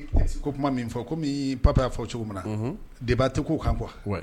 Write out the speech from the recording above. Ko kuma min fɔ ko papi'a fɔ cogo min na de b' to k ko kan bɔ